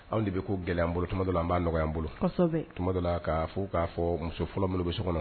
Anw de bɛ ko gɛlɛya bolo tuma dɔ la an b'a nɔgɔya bolo dɔ la' fɔ k'a fɔ muso fɔlɔ mo bɛ so kɔnɔ